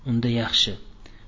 unda yaxshi